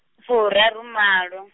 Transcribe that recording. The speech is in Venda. furaru malo.